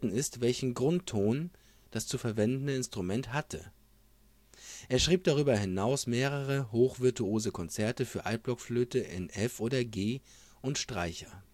ist, welchen Grundton (f’’ oder d’’) das zu verwendende Instrument hatte. Er schrieb darüber hinaus mehrere hochvirtuose Konzerte für Altblockflöte in f’ oder g’ und Streicher